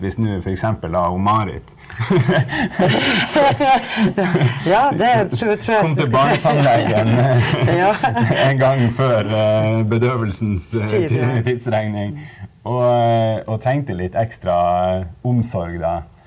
hvis nå f.eks. da hun Marit kom til barnetannlegen en gang før bedøvelsens tidsregning og og trengte litt ekstra omsorg da.